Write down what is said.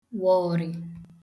wọ̀rị̀